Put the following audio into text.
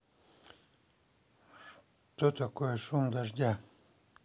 что такое шум дождя